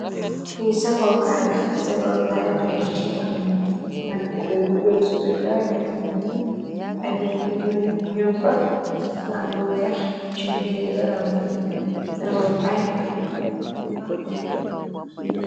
li sengol kaay, sengol kaay, ba ñi ay bindi ñur fa nu am lu weex ci b sengo pider